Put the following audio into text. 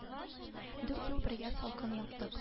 Дүрт ел бергә салкын яттык